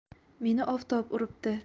meni oftob uribdi